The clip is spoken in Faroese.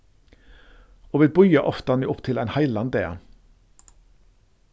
og vit bíða oftani upp til ein heilan dag